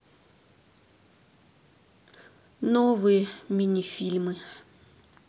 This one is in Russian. новые мини фильмы